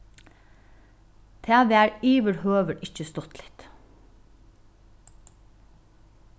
tað var yvirhøvur ikki stuttligt